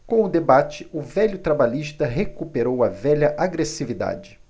com o debate o velho trabalhista recuperou a velha agressividade